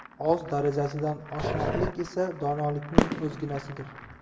oz darajasidan oshmoqlik esa donolikning o'zginasidir